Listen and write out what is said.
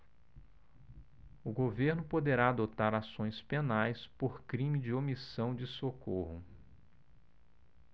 o governo poderá adotar ações penais por crime de omissão de socorro